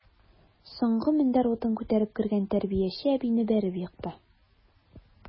Соңгы мендәр утын күтәреп кергән тәрбияче әбине бәреп екты.